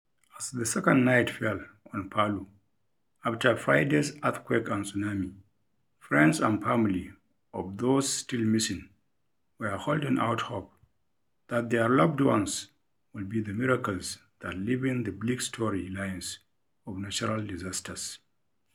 As the second night fell on Palu after Friday's earthquake and tsunami, friends and family of those still missing were holding out hope that their loved ones would be the miracles that leaven the bleak story lines of natural disasters.